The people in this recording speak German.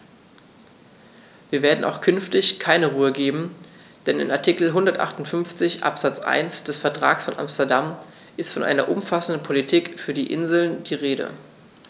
Wir werden auch künftig keine Ruhe geben, denn in Artikel 158 Absatz 1 des Vertrages von Amsterdam ist von einer umfassenden Politik für die Inseln die Rede.